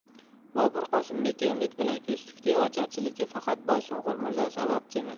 bobur qosimbekka umid bilan ko'z tikdi yu ocharchilikka faqat boysunqur mirzo sababchimi